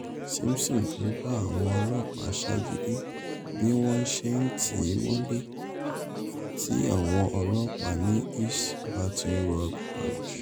Simpson ‘ò bá àwọn ọlọ́pàá ṣagídí bí wọ́n ṣe tì í mọ́ àtìmọ́lẹ́ ti àwọn ọlọ́pàá ní East Baton Rouge Parish.